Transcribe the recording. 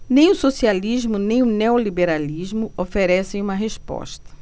nem o socialismo nem o neoliberalismo oferecem uma resposta